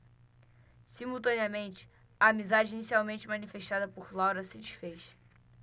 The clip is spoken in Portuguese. simultaneamente a amizade inicialmente manifestada por laura se disfez